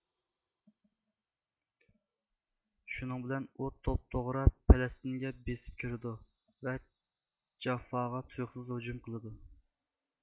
شۇنىڭ بىلەن ئۇ توپتوغرا پەلەستىنگە بېسىپ كىرىدۇ ۋە جاففاغا تۇيۇقسىز ھۇجۇم قىلىدۇ